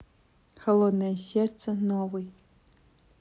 холодное сердце новый